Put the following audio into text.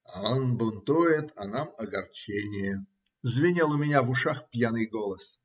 "Он бунтует, а нам огорчение", - звенел у меня в ушах пьяный голос.